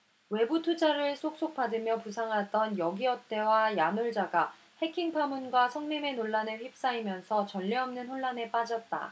외부투자를 속속 받으며 부상하던 여기어때와 야놀자가 해킹 파문과 성매매 논란에 휩싸이면서 전례 없는 혼란에 빠졌다